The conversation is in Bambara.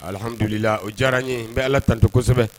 Alihamidulila o diyara n ye. N bɛ ala tatu kosɛbɛ.